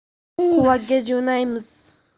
quvaga jo'nagaymiz